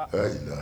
A la i laa